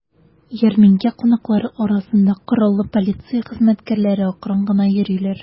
Ярминкә кунаклары арасында кораллы полиция хезмәткәрләре акрын гына йөриләр.